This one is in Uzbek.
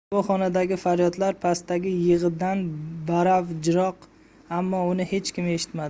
bu xonadagi faryodlar pastdagi yig'idan baravjroq ammo uni hech kim eshitmaydi